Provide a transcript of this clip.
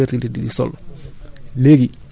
yooyu mooy définir fertilité du sol